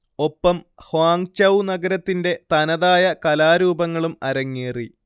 ഒപ്പം ഹ്വാങ്ചൗ നഗരത്തിന്റെ തനതായ കലാരൂപങ്ങളും അരങ്ങേറി